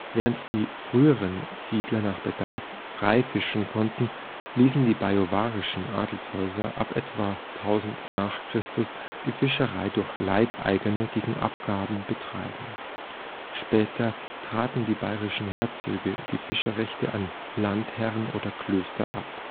Während die früheren Siedler nach Bedarf frei fischen konnten, ließen die bajuwarischen Adelshäuser ab etwa 1000 n. Chr. die Fischerei durch Leibeigene gegen Abgaben betreiben. Später traten die bayrischen Herzöge die Fischrechte an Landherren oder Klöster ab